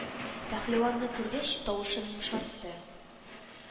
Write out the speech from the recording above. Пәһлеванны күргәч, тавышын йомшартты: